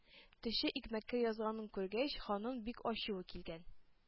Төче икмәккә язганын күргәч, ханның бик ачуы килгән: